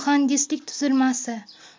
muhandislik tuzilmasi